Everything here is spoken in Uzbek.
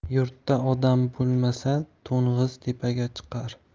yurtda odam bo'lmasa to'ng'iz tepaga chiqar